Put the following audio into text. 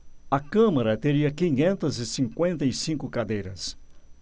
a câmara teria quinhentas e cinquenta e cinco cadeiras